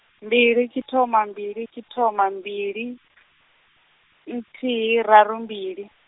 mbili tshithoma mbili tshithoma mbili, nthihi raru mbili.